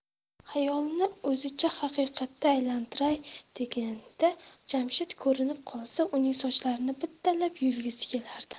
xayolni o'zicha haqiqatga aylantiray deganida jamshid ko'rinib qolsa uning sochlarini bittalab yulgisi kelardi